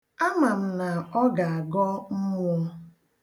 Ama m na ọ ga-agọ mmụọ.